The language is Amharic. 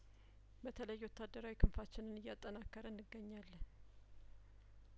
በተለይ ወታደራዊ ክንፋችንን እያጠናከርን እንገኛለን